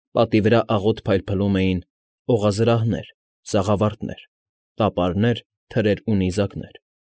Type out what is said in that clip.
Պատի վրա աղոտ փայլփլում էին օղազրահներ, սաղավարտներ, տապարներ, թրեր ու նիզակներ։